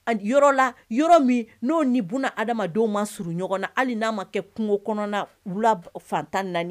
Yɔrɔ la yɔrɔ min n'o niununa ha adamadenw ma surun ɲɔgɔn na hali n'a ma kɛ kungo kɔnɔna fantan naani